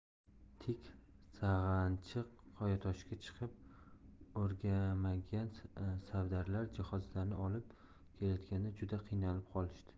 tik sirg'anchiq qoyatoshga chiqib o'rganmagan savdarlar jihozlarni olib kelayotganda juda qiynalib qolishdi